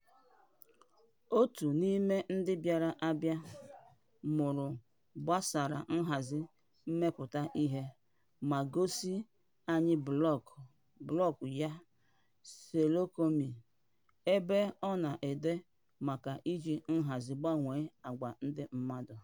Otu n'ime ndị bịara abịa mụrụ gbasara nhazi mmepụta ihe, ma gosị anyị blọọgụ ya, Selouk.me, ebe ọ na-ede maka iji nhazi gbanwee àgwà ndị mmadụ.